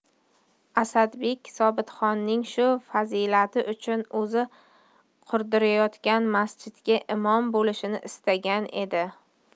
asadbek sobitxonning shu fazilati uchun o'zi qurdirayotgan masjidga imom bo'lishini istagan edi